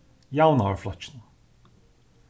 javnaðarflokkinum